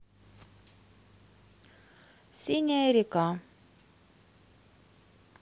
синяя река